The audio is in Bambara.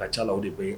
A ka c'ala o de bɛ